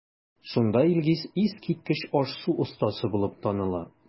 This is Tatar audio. Шунда Илгиз искиткеч аш-су остасы булып таныла.